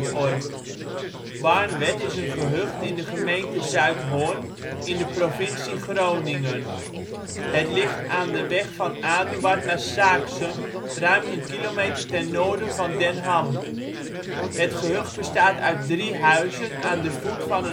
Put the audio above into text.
OL Barnwerd Buurtschap in Nederland Situering Provincie Groningen Gemeente Zuidhorn Coördinaten 53° 18′ NB, 6° 25′ OL Portaal Nederland Barnwerd is een gehucht in de gemeente Zuidhorn in de provincie Groningen (Nederland). Het ligt aan de weg van Aduard naar Saaksum ruim een kilometer ten noorden van Den Ham. Het gehucht bestaat uit drie huizen aan de voet van